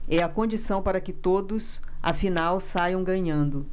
é a condição para que todos afinal saiam ganhando